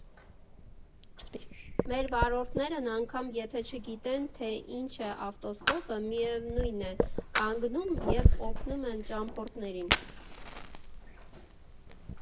Մեր վարորդներն անգամ եթե չգիտեն, թե ինչ է ավտոստոպը, միևնույն է, կանգնում և օգնում են ճամփորդներին։